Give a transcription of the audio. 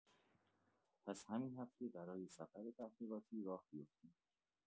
پس همین هفته برای سفر تحقیقاتی راه بیفتیم.